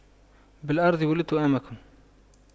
بالأرض ولدتك أمك